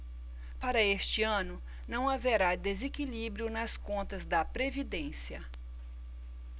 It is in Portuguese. para este ano não haverá desequilíbrio nas contas da previdência